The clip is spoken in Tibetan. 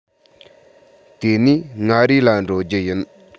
དེ ནས མངའ རིས ལ འགྲོ རྒྱུ ཡིན